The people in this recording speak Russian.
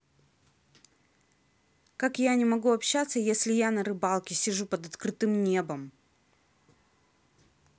как я не могу общаться если я на рыбалке сижу под открытым небом